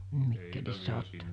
Mikkelissä olette